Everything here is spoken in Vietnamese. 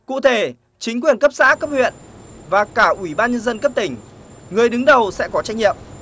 cụ thể chính quyền cấp xã cấp huyện và cả ủy ban nhân dân cấp tỉnh người đứng đầu sẽ có trách nhiệm